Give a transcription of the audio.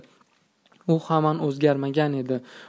u hamon o'zgarmagan edi